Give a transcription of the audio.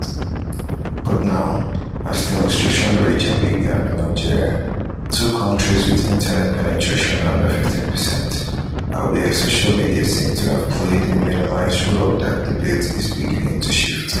But now, as demonstrations rage in Libya and Algeria–two countries with Internet penetration under 15% and where social media seems to have played a minimized role–that debate is beginning to shift.